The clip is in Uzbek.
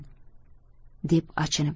deb achinib